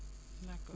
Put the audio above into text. d' accord